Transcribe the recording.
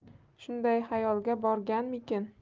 shunday xayolga borganmikin